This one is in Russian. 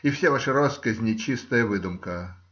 И все ваши россказни чистая выдумка".